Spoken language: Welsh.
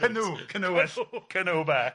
Canŵ canŵ well canŵ bach.